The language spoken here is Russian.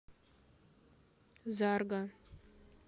zarga